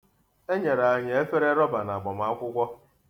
E nyere anyị efere rọba n'agbamakwụkwọ.